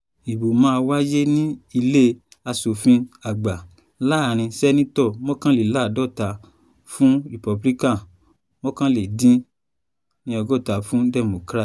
Ibò máa wáyé ní Ilé Aṣòfin Àgbà láàrin Sínátò 51 fún Republicans, 49 fún Democrats.